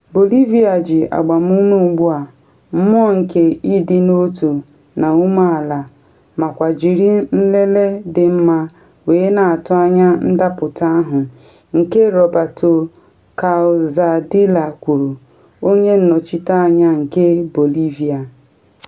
“Bolivia ji agbamume ugbu a, mmụọ nke ịdị n’otu na ume ala, makwa jiri nlele dị mma wee na atụ anya ndapụta ahụ,” nke Roberto Calzadilla kwuru, onye nnọchite anya nke Bolivia.